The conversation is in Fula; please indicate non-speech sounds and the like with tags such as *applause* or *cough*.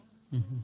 *hesitation* *hesitation*